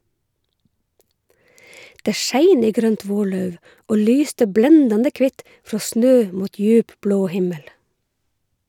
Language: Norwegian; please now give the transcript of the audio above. Det skein i grønt vårlauv og lyste blendande kvitt frå snø mot djup, blå himmel.